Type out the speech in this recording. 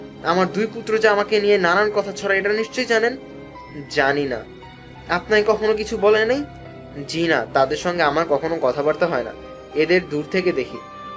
আমার দুই পত্র যে আমাকে নিয়ে নানান কথা ছড়ায় এটা নিশ্চয়ই জানেন জানিনা আপনাকে কখনো কিছু বলে নাই জি না তাদের সঙ্গে আমার কখনো কথাবার্তা হয় না এদের দূর থেকে দেখি